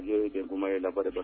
Kuma ye la